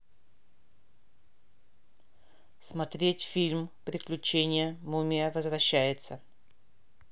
смотреть фильм приключения мумия возвращается